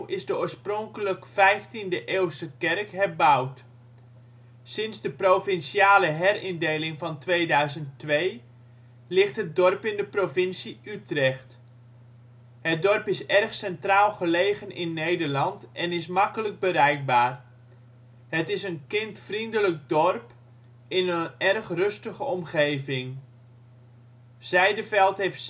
is de oorspronkelijk vijftiende-eeuwse kerk herbouwd. Sinds de provinciale herindeling van 2002 ligt het dorp in de provincie Utrecht. Het dorp is erg centraal gelegen in Nederland en is makkelijk bereikbaar. Het is een kindvriendelijk dorp in een erg rustige omgeving. Zijderveld heeft